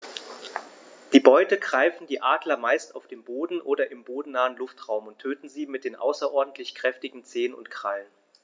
Die Beute greifen die Adler meist auf dem Boden oder im bodennahen Luftraum und töten sie mit den außerordentlich kräftigen Zehen und Krallen.